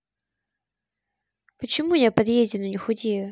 почему я подъезде но не худею